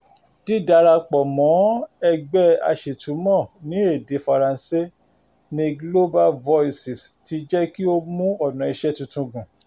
Dīdarapọ̀ mọ́ ẹgbẹ́ aṣètumọ̀ ní èdè Faransé ní Global Voices ti jẹ́ kí ó mú ọ̀nà ìṣe tuntun gùn.